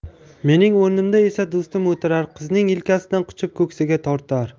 mening o'rnimda esa do'stim o'tirar qizning yelkasidan quchib ko'ksiga tortar